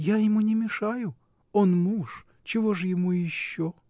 — Я ему не мешаю: он муж — чего ж ему еще?